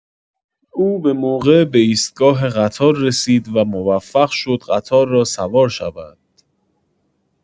او به‌موقع به ایستگاه قطار رسید و موفق شد قطار را سوار شود.